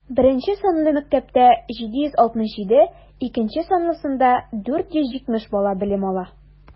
Беренче санлы мәктәптә - 767, икенче санлысында 470 бала белем ала.